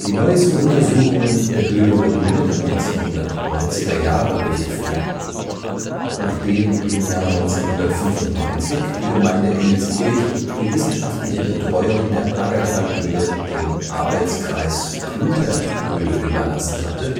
neuesten Untersuchungen der Höhle wurden Mitte der 1990er-Jahre durchgeführt: Nachdem im Jahr 1995 die Gemeinde Engelskirchen die wissenschaftliche Betreuung der Aggertalhöhle dem Arbeitskreis Kluterthöhle überlassen hatte